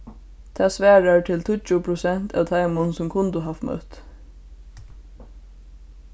tað svarar til tíggju prosent av teimum sum kundu havt møtt